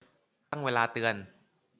ตั้งเวลาเตือน